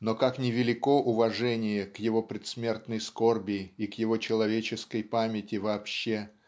Но как ни велико уважение к его предсмертной скорби и к его человеческой памяти вообще